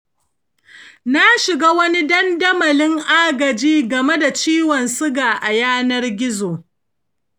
na shiga wani dandamalin agaji game da ciwon suga a yanar gizo.